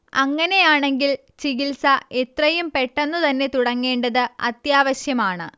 അങ്ങനെയാണെങ്കിൽ ചികിത്സ എത്രയും പെട്ടെന്നു തന്നെ തുടങ്ങേണ്ടത് അത്യാവശ്യമാണ്